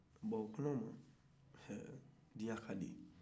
bɔn o la huun diɲɛ ka di